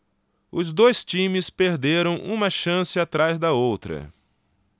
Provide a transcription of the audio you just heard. os dois times perderam uma chance atrás da outra